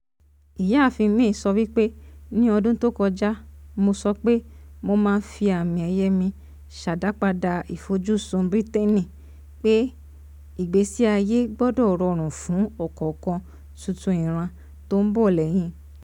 Ìyáàfin May sọ wípé: "Ní ọdún tó kọjá mo sọ pé mo má fí àmì ẹ̀yẹ mi ṣàdápadà ìfojúsùn Bírítéènì - pé ìgbésí ayé gbọ́dọ̀ rọrùn fún ọ̀kọ̀ọ̀kan túntun ìran tó ń bọ̀ lẹ́yìn.